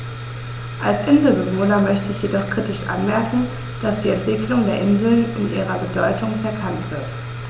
Als Inselbewohner möchte ich jedoch kritisch anmerken, dass die Entwicklung der Inseln in ihrer Bedeutung verkannt wird.